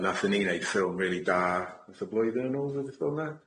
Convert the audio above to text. Yy nathon ni neud ffilm rili da, fatha blwyddyn yn ôl ddydd, rwbeth fel'a?